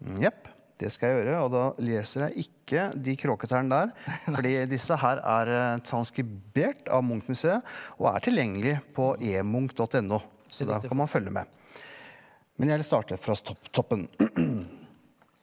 jepp det skal jeg gjøre og da leser jeg ikke de kråketærne der fordi disse her er transkribert av Munchmuseet og er tilgjengelig på e-munch dott N O, så da kan man følge med, men jeg vil starte fra toppen .